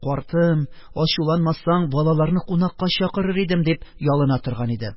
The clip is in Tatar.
Картым, ачуланмасаң, балаларны кунакка чакырыр идем, - дип ялына торган иде.